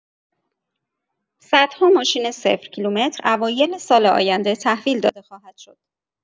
صدها ماشین صفرکیلومتر اوایل سال آینده تحویل داده خواهد شد.